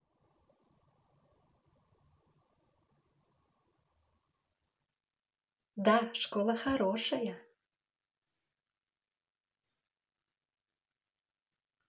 да школа хорошая